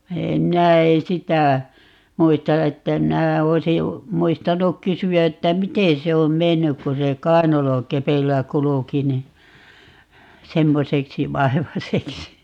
minä en sitä muista että minä olisin muistanut kysyä että miten se on mennyt kun se kainalokepeillä kulki niin semmoiseksi vaivaiseksi